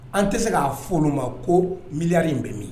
An tɛ se k'a fɔ olu ma ko miri in bɛ min